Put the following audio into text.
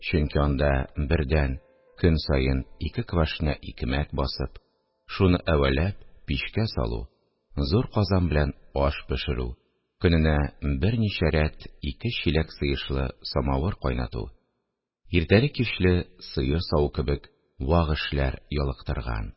Чөнки анда, бердән, көн саен ике квашня2 икмәк басып, шуны әвәләп мичкә салу, зур казан белән аш пешерү, көненә берничә рәт ике чиләк сыешлы самавыр кайнату, иртәле-кичле сыер саву кебек вак эшләр ялыктырган.